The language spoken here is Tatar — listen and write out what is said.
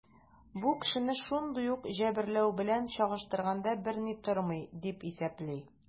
Бу кешене шундый ук җәберләү белән чагыштырганда берни тормый, дип исәпли.